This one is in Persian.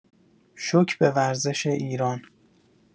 شوک به ورزش ایران